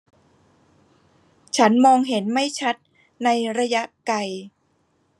ฉันมองเห็นไม่ชัดในระยะไกล